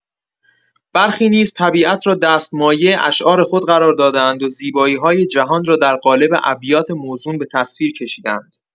برخی نیز طبیعت را دستمایه اشعار خود قرار داده‌اند و زیبایی‌های جهان را در قالب ابیات موزون به تصویر کشیده‌اند.